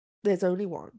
There's only one.